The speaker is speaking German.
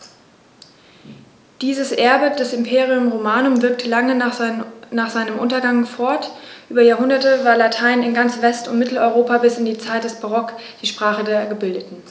Dieses Erbe des Imperium Romanum wirkte lange nach seinem Untergang fort: Über Jahrhunderte war Latein in ganz West- und Mitteleuropa bis in die Zeit des Barock die Sprache der Gebildeten.